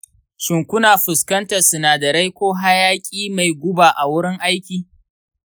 shin kuna fuskantar sinadarai ko hayaki mai guba a wurin aiki?